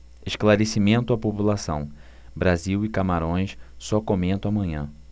esclarecimento à população brasil e camarões só comento amanhã